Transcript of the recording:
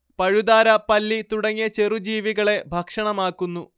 പഴുതാര പല്ലി തുടങ്ങിയ ചെറു ജീവികളെ ഭക്ഷണമാക്കുന്നു